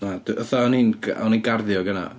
Na d- fatha o'n i'n g- o'n ni'n garddio gynnau.